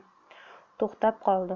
to'xtab qoldim